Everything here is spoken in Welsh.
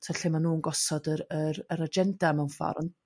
t'o' lle ma' nhw'n gosod yr yr yr agenda mewn fforwm.